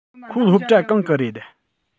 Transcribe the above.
ཁོ སློབ གྲྭ གང གི རེད